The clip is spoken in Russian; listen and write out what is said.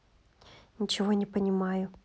ничего не понимаю